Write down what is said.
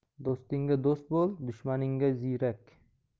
do'stingga do'st bo'l dushmaningga ziyrak